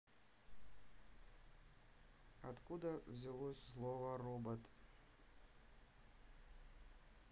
откуда взялось слово робот